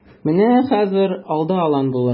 Менә хәзер алда алан булыр.